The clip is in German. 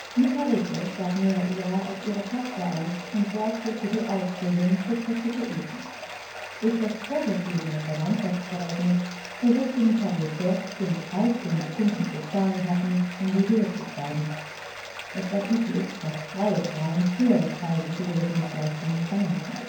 Nikarete gab Neaira als ihre Tochter aus und sorgte für die „ Ausbildung “zur Prostituierten. Durch das vorgegebene Verwandtschaftsverhältnis versuchte Nikarete den Preis, den die Kunden zu zahlen hatten, in die Höhe zu treiben: Es war üblich, dass freie Frauen höhere Preise für ihre Dienstleistungen verlangten